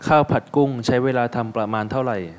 ข้าวผัดกุ้งใช้เวลาทำประมาณเท่าไหร่